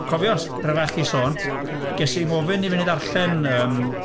Cofio, rhyfedd chdi sôn, ges i'n ngofyn i fynd i darllen yym...